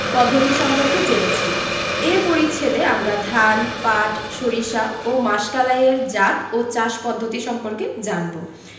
পদ্ধতি সম্পর্কে জেনেছি এ পরিচ্ছেদে আমরা ধান পাট সরিষা ও মাসকলাই এর জাত ও চাষ পদ্ধতি সম্পর্কে জানব